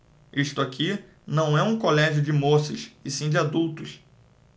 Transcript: isto aqui não é um colégio de moças e sim de adultos